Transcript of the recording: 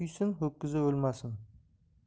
kuysin ho'kizi o'lmasin